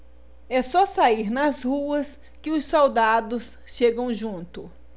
é só sair nas ruas que os soldados chegam junto